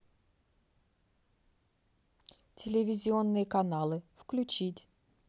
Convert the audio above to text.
телевизионные каналы включить